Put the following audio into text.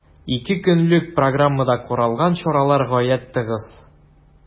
Ике көнлек программада каралган чаралар гаять тыгыз.